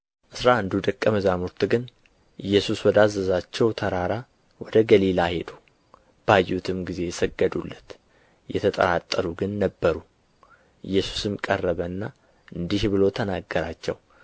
አሥራ አንዱ ደቀ መዛሙርት ግን ኢየሱስ ወዳዘዛቸው ተራራ ወደ ገሊላ ሄዱ ባዩትም ጊዜ ሰገዱለት የተጠራጠሩ ግን ነበሩ ኢየሱስም ቀረበና እንዲህ ብሎ ተናገራቸው